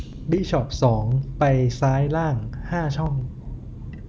บิชอปสองไปซ้ายล่างห้าช่อง